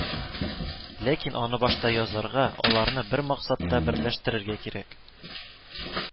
Ләкин аны башта язарга, аларны бер максатта берләштерергә кирәк